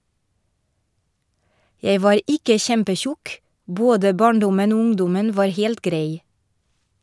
- Jeg var ikke kjempetjukk, både barndommen og ungdommen var helt grei.